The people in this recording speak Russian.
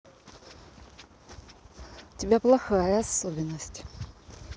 у тебя плохая особенность